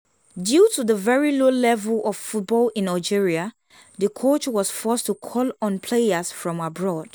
Due to the very low level of football in Algeria the coach was forced to call on players from abroad.